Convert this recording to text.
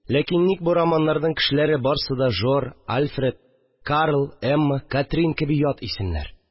Ләкин ник бу романнарның кешеләре барсы да Жур, Альфред, Карл, Эмма, Катрин кеби ят исемнәр